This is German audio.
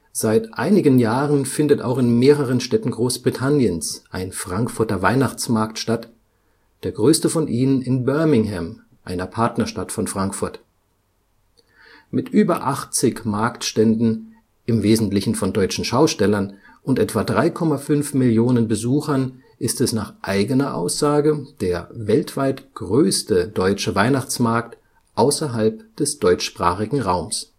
Seit einigen Jahren findet auch in mehreren Städten Großbritanniens ein Frankfurter Weihnachtsmarkt statt, der größte von ihnen in Birmingham, einer Partnerstadt von Frankfurt. Mit über 80 Marktständen, im Wesentlichen von deutschen Schaustellern, und etwa 3,5 Millionen Besuchern ist es nach eigener Aussage der weltweit größte deutsche Weihnachtsmarkt außerhalb des deutschsprachigen Raums